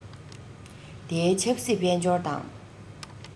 དེའི ཆབ སྲིད དཔལ འབྱོར དང